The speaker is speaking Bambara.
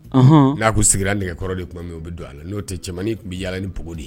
Anhan N'a kun sigira nɛgɛ kɔrɔ de kuma min o bɛ don ala, n'o tɛ cɛmanni kun bɛ yala ni pogo de y